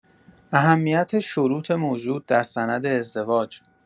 اهمیت شروط موجود در سند ازدواج